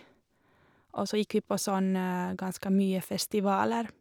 Og så gikk vi på sånn ganske mye festivaler.